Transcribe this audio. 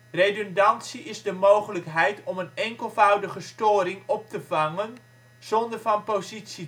Redundantie is de mogelijkheid om een enkelvoudige storing op te vangen zonder van positie